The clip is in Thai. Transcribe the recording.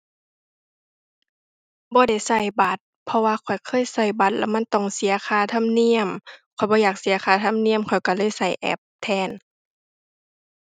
บ่ได้ใช้บัตร เพราะว่าข้อยเคยใช้บัตรแล้วมันต้องเสียค่าธรรมเนียม ข้อยบ่อยากเสียค่าธรรมเนียมข้อยใช้เลยใช้แอปแทน